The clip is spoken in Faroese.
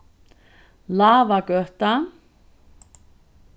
lavagøta